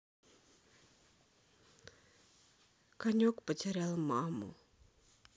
конек потерял маму